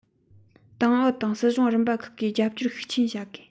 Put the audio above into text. ཏང ཨུ དང སྲིད གཞུང རིམ པ ཁག གིས རྒྱབ སྐྱོར ཤུགས ཆེན བྱ དགོས